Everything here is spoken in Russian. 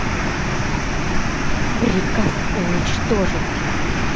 приказ уничтожить